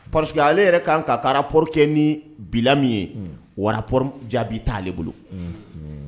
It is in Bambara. Parce que ale yɛrɛ kan k'a ka rapport kɛ ni bilan min ye o rapport jaabi t'ale bolo